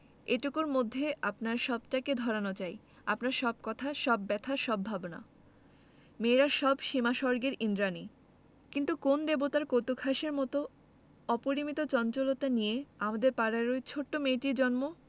তাদের জন্য অল্প জায়গার জগত অল্প মানুষের এটুকুর মধ্যে আপনার সবটাকে ধরানো চাই আপনার সব কথা সব ব্যাথা সব ভাবনা মেয়েরা হল সীমাস্বর্গের ঈন্দ্রাণী কিন্তু কোন দেবতার কৌতূকহাস্যের মত অপরিমিত চঞ্চলতা নিয়ে আমাদের পাড়ায় ঐ ছোট মেয়েটির জন্ম